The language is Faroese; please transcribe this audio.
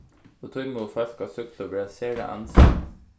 og tí mugu fólk á súkklu vera sera ansin